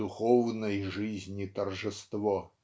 духовной жизни торжество".